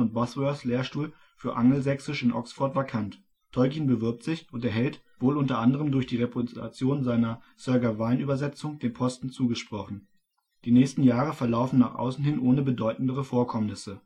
Bosworth Lehrstuhl für Angelsächsisch in Oxford vakant. Tolkien bewirbt sich und erhält, wohl unter anderem durch die Reputation seiner Sir Gawain-Übersetzung, den Posten zugesprochen. Die nächsten Jahre verlaufen nach außen hin ohne bedeutendere Vorkommnisse